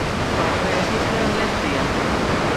เปิดเพลงที่เครื่องเล่นเสียง